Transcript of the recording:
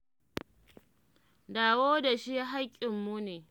Dawo da shi haƙƙinmu ne.”